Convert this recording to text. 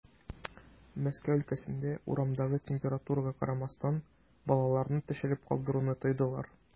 Мәскәү өлкәсендә, урамдагы температурага карамастан, балаларны төшереп калдыруны тыйдылар.